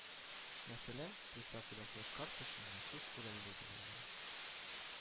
Мәсәлән, приставкада флеш-карта өчен махсус урын булдырылган